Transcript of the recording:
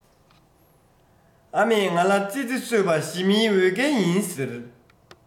ཨ མས ང ལ ཙི ཙི གསོད པ ཞི མིའི འོས འགན ཡིན ཟེར